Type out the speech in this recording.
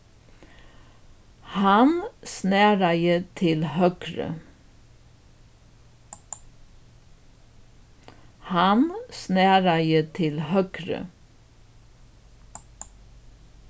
hann snaraði til høgru